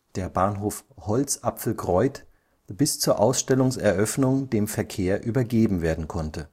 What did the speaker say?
der Bahnhof Holzapfelkreuth, bis zur Ausstellungseröffnung dem Verkehr übergeben werden konnte